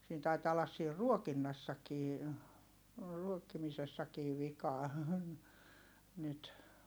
siinä taitaa olla siinä ruokinnassakin ruokkimisessakin vikaa nyt